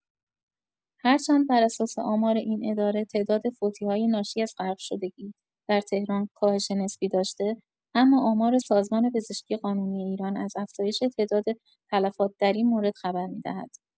هرچند بر اساس آمار این اداره تعداد فوتی‌های ناشی از غرق‌شدگی در تهران کاهش نسبی داشته، اما آمار سازمان پزشکی قانونی ایران از افزایش تعداد تلفات در این مورد خبر می‌دهد.